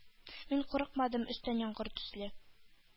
Мин курыкмадым өстән яңгыр төсле